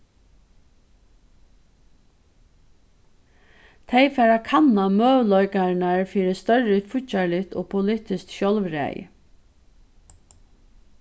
tey fara at kanna møguleikarnar fyri størri fíggjarligt og politiskt sjálvræði